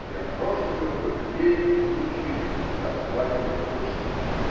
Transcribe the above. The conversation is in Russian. но я нарочно беру только те именно случаи, когда основатели – русские).